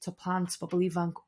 t'o' plant bobol ifanc